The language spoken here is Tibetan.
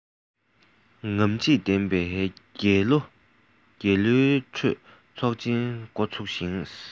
རྔམ བརྗིད ལྡན པའི རྒྱལ གླུའི ཁྲོད ཚོགས ཆེན འགོ ཚུགས ཤིང